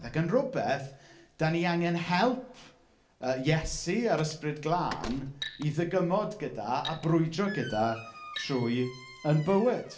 Ac yn rywbeth, dan ni angen help yy Iesu a'r Ysbryd Glân i ddygymod gyda a brwydro gyda trwy ein bywyd.